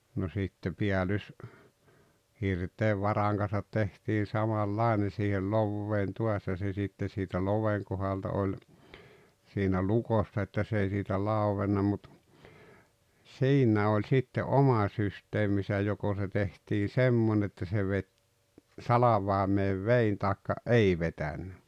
no sitten - päällyshirteen varojen kanssa tehtiin samanlainen siihen loveen taas ja se sitten siitä loven kohdalta oli siinä lukossa että se ei siitä lauennut mutta siinä oli sitten oma systeeminsä joko se tehtiin semmoinen että se veti salvaimeen veden tai ei vetänyt